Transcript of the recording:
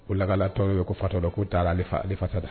Ko lakalakat ko fatɔ, k'u taa la ale fa fasada!